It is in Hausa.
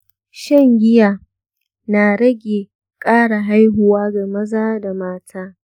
shan giya na rage ƙara haihuwa ga maza da mata.